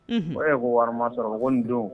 Unhun O yɛrɛ ko wari ma sɔrɔ ko nin don